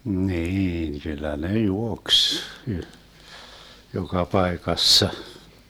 niin kyllä ne juoksi - joka paikassa